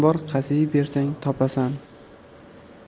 bor qaziy bersang topasan